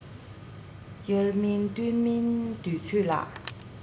དབྱར མིན སྟོན མིན དུས ཚོད ལ